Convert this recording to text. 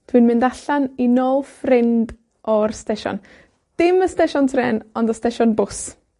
Dwi'n mynd allan i nôl ffrind, o'r stesion. Dim y stesion trên, ond y stesion bws.